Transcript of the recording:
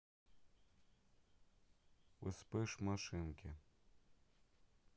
вспыш машинки